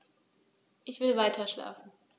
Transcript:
Ich will weiterschlafen.